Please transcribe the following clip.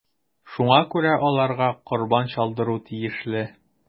Шуңа күрә аларга корбан чалдыру тиешле.